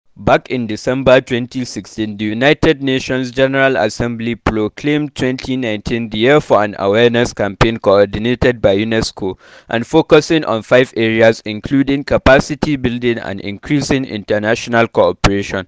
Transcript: Back in December 2016, the United Nations General Assembly proclaimed 2019 the year for an awareness campaign coordinated by UNESCO and focusing on five areas, including capacity building and increasing international cooperation.